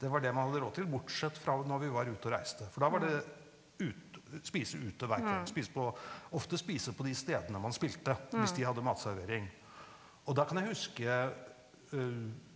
det var det man hadde råd til bortsett fra når vi var ute og reiste, for da var det spise ute hver kveld, spise på ofte spise på de stedene man spilte hvis de hadde matservering, og da kan jeg huske .